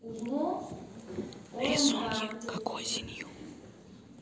рисунки как осенью